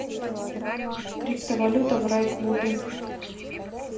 криптовалюта в рай клубе